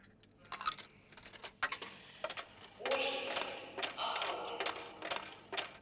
ужасы акулы